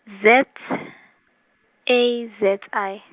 Z A Z I.